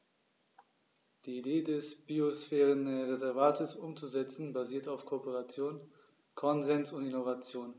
Die Idee des Biosphärenreservates umzusetzen, basiert auf Kooperation, Konsens und Innovation.